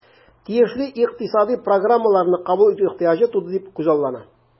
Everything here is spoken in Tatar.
Тиешле икътисадый программаларны кабул итү ихтыяҗы туды дип күзаллана.